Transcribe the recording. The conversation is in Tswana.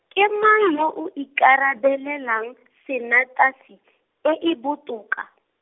ke mang yo o ikarabelelang , sanetasi e e botoka .